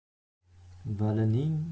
valining do'ppisi bir